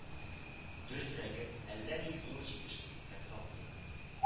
Дөресрәге, әллә ни зур җитешсезлекләр тапмыйлар